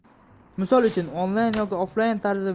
misol uchun onlayn yoki offlayn tarzda